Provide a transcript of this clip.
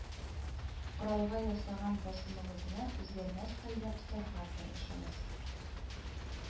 Коралга ясаган басымыгызны үзгәрмәс хәлдә тотарга тырышыгыз